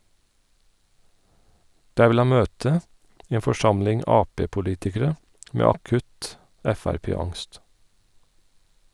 Der vil han møte en forsamling Ap-politikere med akutt Frp-angst.